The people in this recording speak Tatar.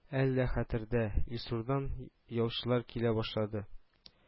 Әле дә хәтерендә — Илсурдан яучылар килә башлады